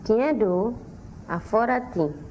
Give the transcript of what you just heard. tiɲɛ don a fɔra ten